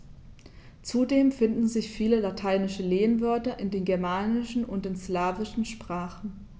Zudem finden sich viele lateinische Lehnwörter in den germanischen und den slawischen Sprachen.